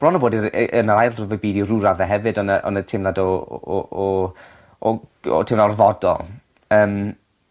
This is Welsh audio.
bron â bod i'r ei- yn ail rhyfel byd i rw radde hefyd o' 'na' o' 'na teimlad o o o o o g- o teimlo orfodol. Yym.